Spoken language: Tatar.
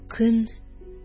Көн